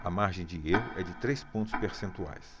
a margem de erro é de três pontos percentuais